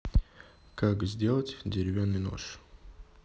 как сделать деревянный нож